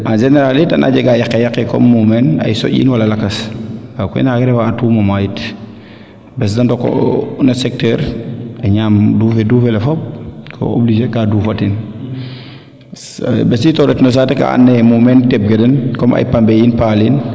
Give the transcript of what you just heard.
en generale it ana jega yaqe yaqe comme mumeen a soƴin wala lakas nda koy nange refa a tout moment yit bes de ndoko yo no secteur a ñaam dufe dufe le fop ko obliger ka dufatin bes o rok no saate ka ando naye mumeen teɓ ke den comme ay pambe yiin paaliin